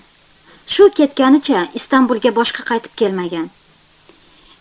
shu ketganicha istambulga boshqa qaytib kelmagan